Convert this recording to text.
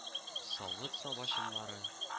Савыт-саба чыңлары